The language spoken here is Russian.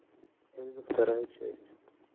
эльза вторая часть